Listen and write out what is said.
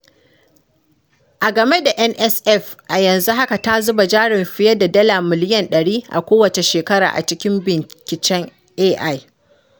A game da NSF, a yanzu haka ta zuba jarin fiye da dala miliyan 100 a kowace shekara a cikin binciken AI.